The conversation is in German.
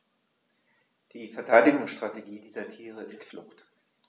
Die Verteidigungsstrategie dieser Tiere ist Flucht.